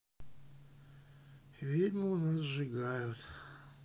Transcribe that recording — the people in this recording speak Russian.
ведьму у нас сжигают